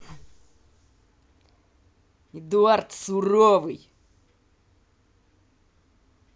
эдуард суровый